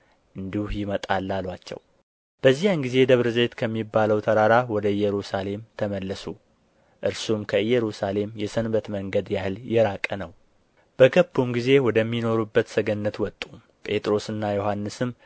እንዲሁ ይመጣል አሉአቸው በዚያን ጊዜ ደብረ ዘይት ከሚባለው ተራራ ወደ ኢየሩሳሌም ተመለሱ እርሱም ከኢየሩሳሌም የሰንበት መንገድ ያህል የራቀ ነው በገቡም ጊዜ ወደሚኖሩበት ሰገነት ወጡ ጴጥሮስና ዮሐንስም